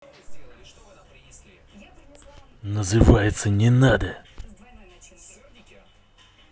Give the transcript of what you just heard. называется не надо